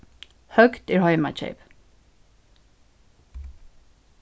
høgt er heimakeyp